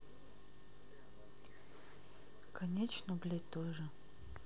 конечно блять тоже